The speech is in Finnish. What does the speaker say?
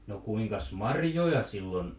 no kuinkas marjoja silloin